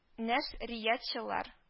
Нәшриятчылар